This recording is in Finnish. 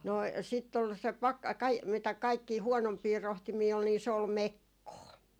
no sitten oli se -- mitä kaikkia huonompia rohtimia oli niin se oli mekkoa